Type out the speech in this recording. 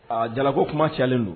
Aa jalako kuma cayalen don